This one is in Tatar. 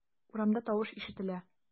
Урамда тавыш ишетелә.